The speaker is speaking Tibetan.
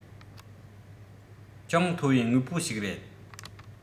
ཅུང མཐོ བའི དངོས པོ ཞིག རེད